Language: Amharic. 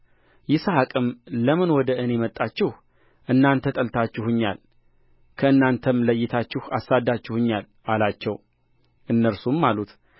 ይስሐቅም ለምን ወደ እኔ መጣችሁ እናንተ ጠልታችሁኛል ከእናንተም ለይታችሁ አሳድዳችሁኛል አላቸው እነርሱም አሉት